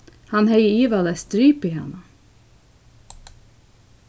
hann hevði ivaleyst dripið hana